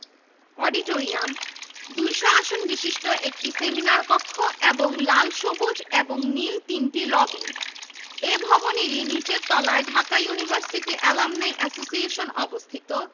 এবং হলগুলিতে পাঠক্রম বহির্ভূত বিদ্যা আহরণের স্থান ও উপকরণের স্বল্পতাহেতু একটি আনুষ্ঠানিক পরামর্শ কেন্দ্র খোলার তাগিদ অনুভূত হয়